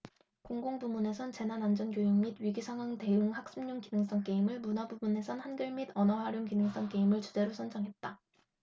공공 부문에선 재난안전교육 및 위기상황 대응 학습용 기능성 게임을 문화 부문에선 한글 및 언어활용 기능성 게임을 주제로 선정했다